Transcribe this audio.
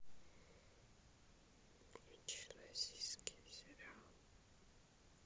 включи российские сериалы